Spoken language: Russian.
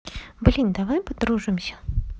блин давай подружимся